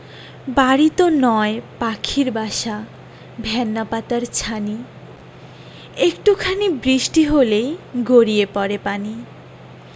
বাড়িতো নয় পাখির বাসা ভেন্না পাতার ছানি একটু খানি বৃষ্টি হলেই গড়িয়ে পড়ে পানি